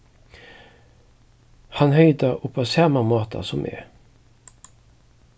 hann hevði tað upp á sama máta sum eg